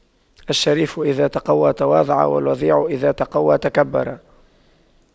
الشريف إذا تَقَوَّى تواضع والوضيع إذا تَقَوَّى تكبر